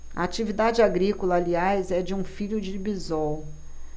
a atividade agrícola aliás é de um filho de bisol